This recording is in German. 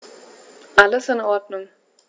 Alles in Ordnung.